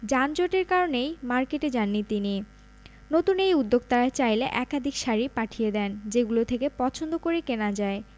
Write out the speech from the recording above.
যানজটের কারণেই মার্কেটে যাননি তিনি নতুন এই উদ্যোক্তারা চাইলে একাধিক শাড়ি পাঠিয়ে দেন যেগুলো থেকে পছন্দ করে কেনা যায়